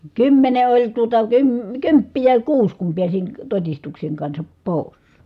kymmenen oli tuota - kymppejä oli kuusi kun pääsin todistuksen kanssa pois